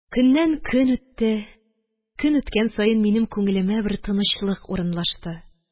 Көннән көн үтте, көн үткән саен, минем күңелемә бер тынычлык урынлашты